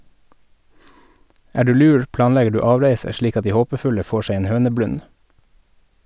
Er du lur, planlegger du avreise slik at de håpefulle får seg en høneblund.